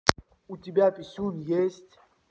у тебя писюн есть